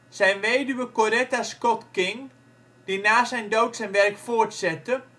Zijn weduwe Coretta Scott King, die na zijn dood zijn werk voortzette